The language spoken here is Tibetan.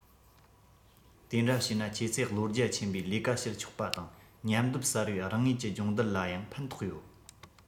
དེ འདྲ བྱས ན ཁྱེད ཚོས བློ རྒྱ ཆེན པོས ལས ཀ བྱེད ཆོག པ དང མཉམ སྡེབ གསར པའི རང ངོས ཀྱི སྦྱོང བརྡར ལ ཡང ཕན ཐོགས ཡོད